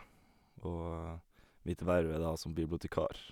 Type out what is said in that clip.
Og Mitt verv er da som bibliotekar.